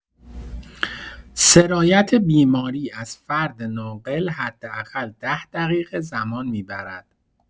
سرایت بیماری از فرد ناقل حداقل ۱۰ دقیقه زمان می‌برد.